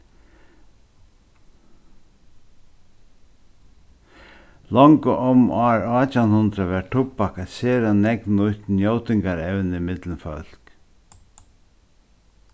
longu um ár átjan hundrað var tubbak eitt sera nógv nýtt njótingarevni millum fólk